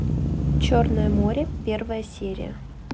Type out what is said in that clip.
черное море первая серия